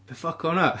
Be ffoc o' hwnna?